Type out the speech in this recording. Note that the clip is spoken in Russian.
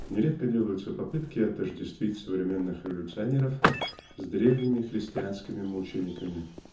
Нередко делаются попытки отождествить современных революционеров с древними христианскими мучениками.